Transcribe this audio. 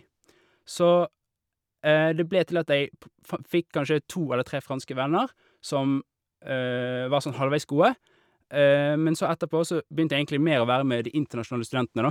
Så det ble til at jeg po fa fikk kanskje to eller tre franske venner som var sånn halvveis gode, men så etterpå så begynte jeg egentlig mer å være med de internasjonale studentene, da.